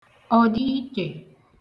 Ọ̀dị̀ichtè